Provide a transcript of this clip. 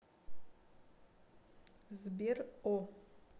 сбер о